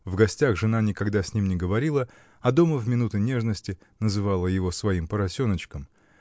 в гостях жена никогда с ним не говорила, а дома, в минуты нежности, называла его своим поросеночком